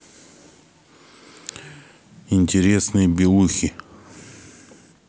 интересные белухи